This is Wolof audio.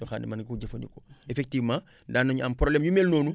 yoo xam ne mën na ko jëfandikoo effectivement daan nañu am problème yu mel noonu